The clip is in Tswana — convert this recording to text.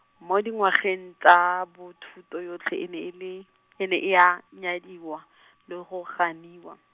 mo dingwageng tsa bo thuto yotlhe e ne e le, e ne ya, nyadiwa , le go ganiwa.